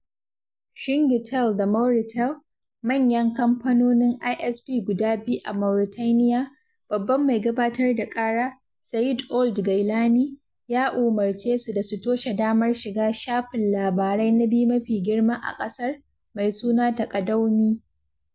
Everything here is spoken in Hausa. Chinguitel da Mauritel, manyan kamfanonin ISP guda biyu a Mauritania, Babban Mai Gabatar da Ƙara, Seyid Ould Ghaïlani, ya umarce su da su toshe damar shiga shafin labarai na biyu mafi girma a ƙasar, mai suna Taqadoumy.